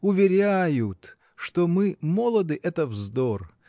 Уверяют, что мы молоды, -- это вздор